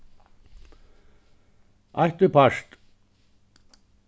eitt í part